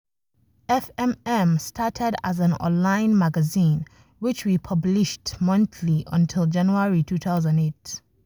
FMM started as an online magazine, which we published monthly until January 2008.